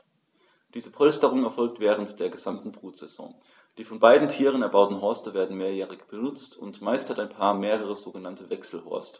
Diese Polsterung erfolgt während der gesamten Brutsaison. Die von beiden Tieren erbauten Horste werden mehrjährig benutzt, und meist hat ein Paar mehrere sogenannte Wechselhorste.